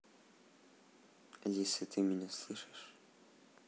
алиса ты меня слышишь